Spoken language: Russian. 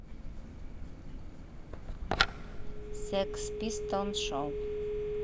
sex pistols show